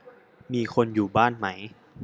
มีคนอยู่บ้านไหม